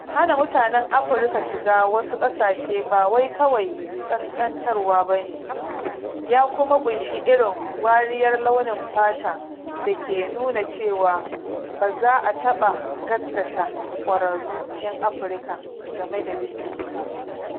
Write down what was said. Hana mutanen Afirka shiga wasu ƙasashe ba wai kawai ƙasƙantarwa ba ne - ya kuma ƙunshi irin wariyar launin fata da ke nuna cewa ba za a taɓa gasgata ƙwararru 'yan Afirka game da bin doka ba.